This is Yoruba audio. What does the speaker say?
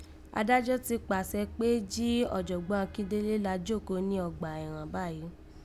Adájọ́ ti kpàṣẹ kpé jí Ọ̀jọ̀gbọ́n Akíndélé là jókòó ní ọgbà ẹ̀ghàn báyìí